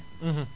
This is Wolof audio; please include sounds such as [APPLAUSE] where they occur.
[HESITATION] [HESITATION]